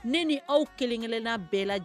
Ne ni aw kelen-kelenna bɛɛ lajɛ